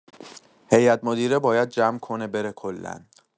هیئت‌مدیره باید جمع کنه بره کلا